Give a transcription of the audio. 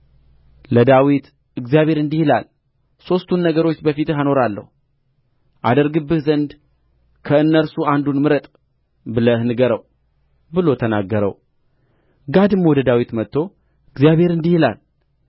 ለዳዊት እግዚአብሔር እንዲህ ይላል ሦስቱን ነገሮች በፊትህ አኖራለሁ አደርግብህ ዘንድ ከእነርሱ አንዱን ምረጥ ብለህ ንገረው ብሎ ተናገረው ጋድም ወደ ዳዊት መጥቶ እግዚአብሔር እንዲህ ይላል